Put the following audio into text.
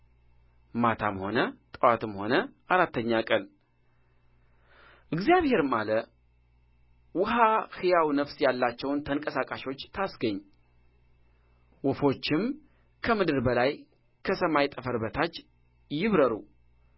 ማታም ሆነ ጥዋትም ሆነ አራተኛ ቀን እግዚአብሔርም አለ ውኃ ሕያው ነፍስ ያላቸውን ተንቀሳቃሾች ታስገኝ ወፎችም ከምድር በላይ ከሰማይ ጠፈር በታች ይብረሩ